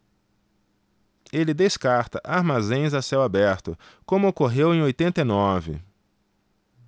ele descarta armazéns a céu aberto como ocorreu em oitenta e nove